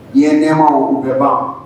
Yan nɛmaw, o bɛ ban.